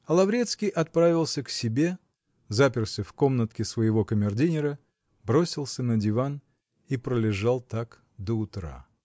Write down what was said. А Лаврецкий отправился к себе, заперся в комнатке своего камердинера, бросился на диван и пролежал так до утра.